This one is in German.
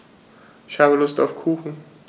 Ich habe Lust auf Kuchen.